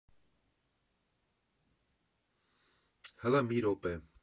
Հլը մի րոպե։